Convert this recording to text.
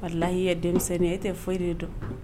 Balayi i ye denmisɛnnin ye e ti foyi de dɔn.